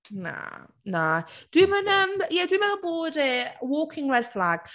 Na, na. Dwi'm yn yym ie, dwi’n meddwl bod e’n walking red flag.